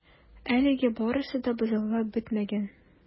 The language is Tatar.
Әлегә барысы да бозаулап бетмәгән.